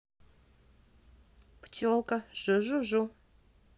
пчелка жужужу